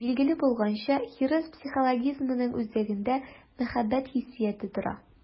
Билгеле булганча, хирыс психологизмының үзәгендә мәхәббәт хиссияте тора.